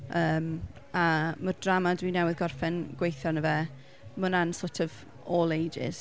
Yym a ma'r drama dwi newydd gorffen gweithio arno fe, ma' hwnna'n sort of all ages.